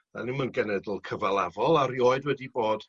'Dan nw'm yn genedl cyfalafol a rioed wedi bod